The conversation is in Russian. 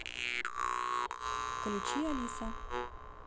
включи алиса